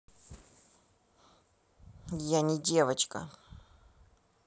я не девочка